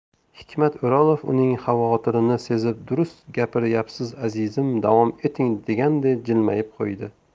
hikmat o'rolov uning xavotirini sezib durust gapiryapsiz azizim davom eting deganday jilmayib qo'ydi